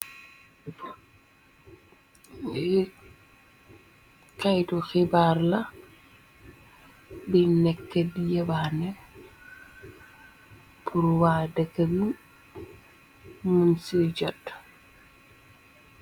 Kaytu xibaar la bi nekk di yebaane pur wa dëkkanu mun ci jot.